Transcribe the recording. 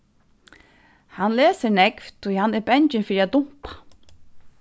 hann lesur nógv tí hann er bangin fyri at dumpa